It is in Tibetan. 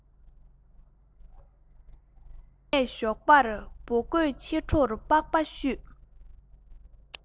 ངས ཞོགས པར འབུ བརྐོས ཕྱི དྲོར པགས པ བཤུས